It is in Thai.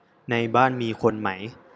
ในบ้านมีคนไหม